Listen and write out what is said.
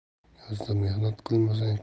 yozda mehnat qilmasang